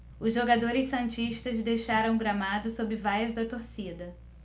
os jogadores santistas deixaram o gramado sob vaias da torcida